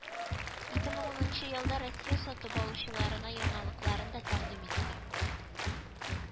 Ике мең унынчы елда россия сатып алучыларына яңалыкларын да тәкъдим итте